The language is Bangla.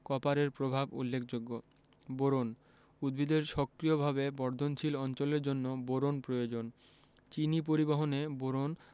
কপারের প্রভাব উল্লেখযোগ্য বোরন উদ্ভিদের সক্রিয়ভাবে বর্ধনশীল অঞ্চলের জন্য বোরন প্রয়োজন চিনি পরিবহনে বোরন